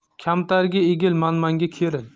kamtarga egil manmanga keril